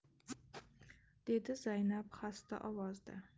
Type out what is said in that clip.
dedi zaynab xasta ovozda